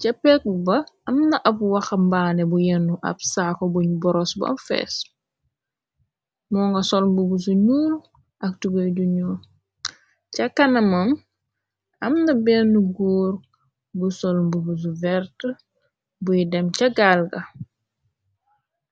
ca peg ba am na ab waxa mbaane bu yennu ab saako buñ boros bam fees moo nga solmbu gusu nuul ak tugoy du ñul ca kanamam am na benn góur gu solmbu guzu vert buy dem ca gaal ga.